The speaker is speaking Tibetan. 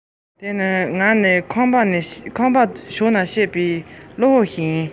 དེར མ ཟད ང ནི